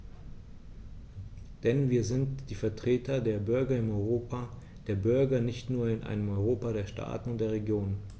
Denn wir sind die Vertreter der Bürger im Europa der Bürger und nicht nur in einem Europa der Staaten und der Regionen.